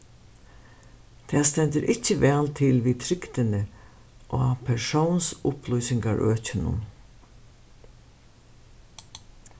tað stendur ikki væl til við trygdini á persónsupplýsingarøkinum